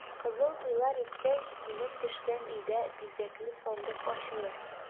Кызыл туйлар үткәч, килен төшкән өйдә бизәкле сандык ачылыр.